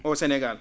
au Sénégal